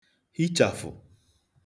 hichàfụ̀